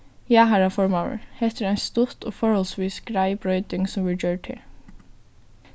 ja harra formaður hetta er ein stutt og forholdsvís greið broyting sum verður gjørd her